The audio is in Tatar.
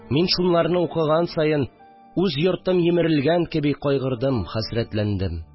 Мин, шуларны укыган саен, үз йортым җимерелгән кеби кайгырдым, хәсрәтләндем